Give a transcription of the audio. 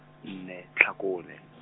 nne, Tlhakole.